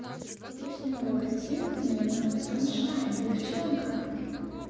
песня бахтин мне надо саншайн девчонка